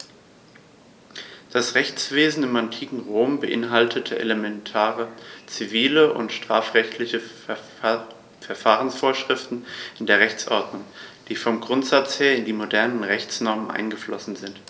Das Rechtswesen im antiken Rom beinhaltete elementare zivil- und strafrechtliche Verfahrensvorschriften in der Rechtsordnung, die vom Grundsatz her in die modernen Rechtsnormen eingeflossen sind.